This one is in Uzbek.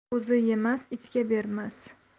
o'zi yemas itga bermas